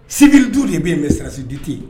Sigiri du de bɛ yen mɛ sarasidite yen